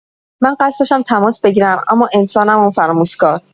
من قصد داشتم تماس بگیرم، اما انسانم و فراموش‌کار.